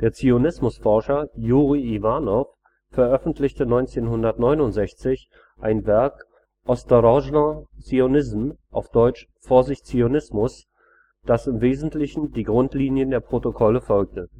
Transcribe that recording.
Zionismusforscher Juri Iwanow veröffentlichte 1969 ein Werk Осторожно: сионизм! („ Vorsicht: Zionismus! “), das im Wesentlichen den Grundlinien der Protokolle folgte